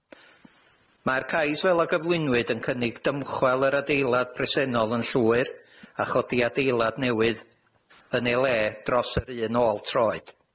Mae'r cais fel a gyflwynwyd yn cynnig dymchwel yr adeilad presennol yn llwyr, a chodi adeilad newydd yn ei le dros yr un ôl troed.